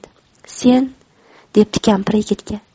sen debdi kampir yigitga